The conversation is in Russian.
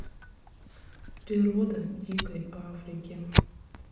природа дикой африки